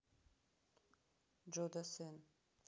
джо дассен